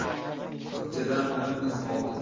tokchadan patnis oldi